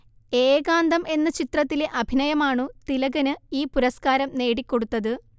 ഏകാന്തം എന്ന ചിത്രത്തിലെ അഭിനയമാണു തിലകന് ഈ പുരസ്കാരം നേടിക്കൊടുത്തത്